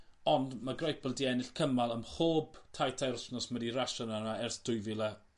ond ma' Greipel 'di ennill cymal ym mhob taith tair wthnos ma' 'di rasio yn yna ers dwy fil a